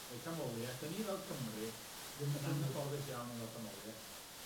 Neu canmolieth. 'Dan ni fel Cymru yn anghyfforddus iawn efo chanmolieth.